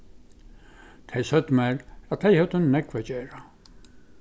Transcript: tey søgdu mær at tey høvdu nógv at gera